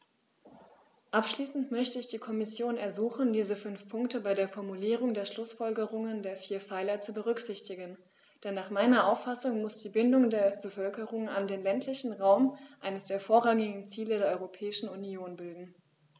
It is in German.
Abschließend möchte ich die Kommission ersuchen, diese fünf Punkte bei der Formulierung der Schlußfolgerungen der vier Pfeiler zu berücksichtigen, denn nach meiner Auffassung muss die Bindung der Bevölkerung an den ländlichen Raum eines der vorrangigen Ziele der Europäischen Union bilden.